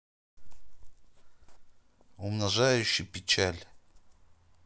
умножающий печаль